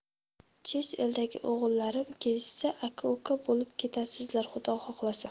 chet eldagi o'g'illarim kelishsa aka uka bo'lib ketasizlar xudo xohlasa